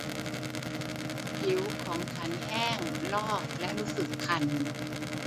ผิวของฉันแห้งลอกและรู้สึกคัน